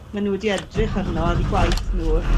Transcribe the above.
ma' nw wedi edrych arno ar 'u gwaith nw